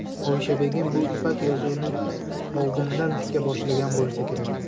oyisha begim bu ipak yozuvni oldindan tika boshlagan bo'lsa kerak